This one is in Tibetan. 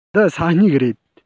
འདི ས སྨྱུག རེད